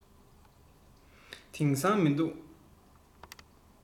དེང སང མི འདུག